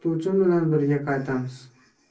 o'qituvchim bilan birga qaytamiz